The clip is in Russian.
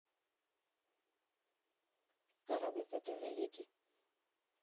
корабль петр великий